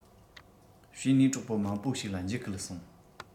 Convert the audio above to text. བྱས ནས གྲོགས པོ མང པོ ཞིག ལ འཇིགས སྐུལ སོང